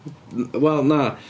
Wel, na.